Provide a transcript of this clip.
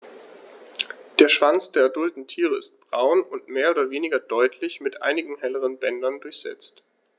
Der Schwanz der adulten Tiere ist braun und mehr oder weniger deutlich mit einigen helleren Bändern durchsetzt.